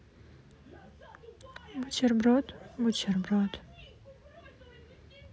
бутерброд бутерброд